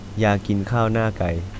อยากกินข้าวหน้าไก่